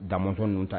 Dazɔnw ta